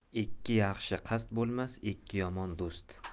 ikki yaxshi qasd bo'lmas ikki yomon do'st